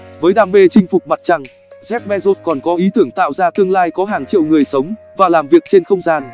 với đam mê chinh phục mặt trăng jeff bezos còn có ý tưởng tạo ra tương lai có hàng triệu người sống và làm việc trên không gian